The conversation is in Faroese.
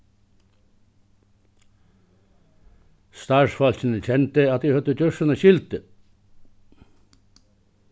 starvsfólkini kendu at tey høvdu gjørt sína skyldu